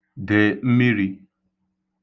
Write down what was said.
dè mmirī